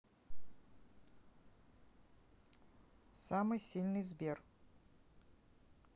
самый сильный сбер